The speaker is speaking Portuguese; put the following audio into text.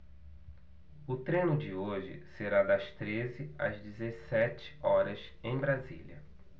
o treino de hoje será das treze às dezessete horas em brasília